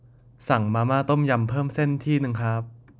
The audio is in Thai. สั่งมาม่าต้มยำเพิ่มเส้นเพิ่มที่นึงครับ